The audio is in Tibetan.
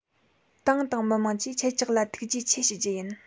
ཏང དང མི དམངས ཀྱིས ཁྱེད ཅག ལ ཐུགས རྗེ ཆེ ཞུ རྒྱུ ཡིན